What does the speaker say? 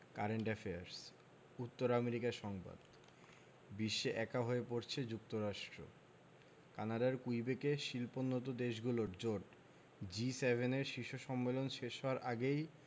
current affairs উত্তর America সংবাদ বিশ্বে একা হয়ে পড়ছে যুক্তরাষ্ট্র কানাডার কুইবেকে শিল্পোন্নত দেশগুলোর জোট জি ৭ এর শীর্ষ সম্মেলন শেষ হওয়ার আগেই